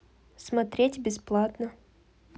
смотреть бесплатно